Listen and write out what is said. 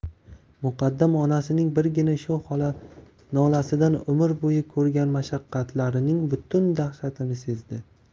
muqaddam onasining birgina shu nolasidan umr bo'yi ko'rgan mashaqqatlarining butun dahshatini sezdi